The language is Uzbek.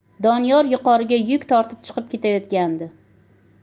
doniyor yuqoriga yuk tortib chiqib ketayotgandi